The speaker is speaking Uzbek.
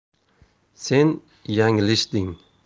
sen yanglishding